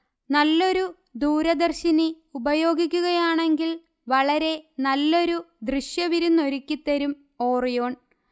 നല്ലൊരു ദൂരദർശിനി ഉപയോഗിക്കുകയാണെങ്കിൽ വളരെ നല്ലൊരു ദൃശ്യവിരുന്നൊരുക്കിത്തരും ഓറിയോൺ